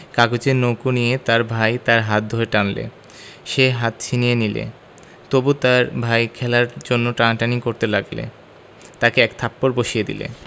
কাগজের নৌকো নিয়ে তার ভাই তার হাত ধরে টানলে সে হাত ছিনিয়ে নিলে তবু তার ভাই খেলার জন্যে টানাটানি করতে লাগলে তাকে এক থাপ্পড় বসিয়ে দিলে